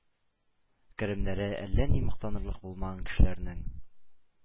Керемнәре әллә ни мактанырлык булмаган кешеләрнең